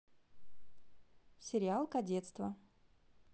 сериал кадетство